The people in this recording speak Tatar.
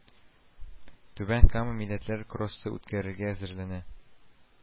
Түбән Кама Милләтләр кроссы үткәрергә әзерләнә